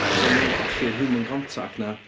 So maen nhw'n colli yr human contact 'na.